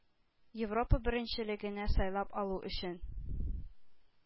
Европа беренчелегенә сайлап алу өчен